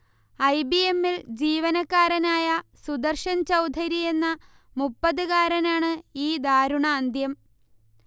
I. B. എമ്മിൽ ജീവനക്കാരനായ സുദർശൻ ചൗധരി എന്ന മുപ്പത് കാരനാണ് ഈ ദാരുണാന്ത്യം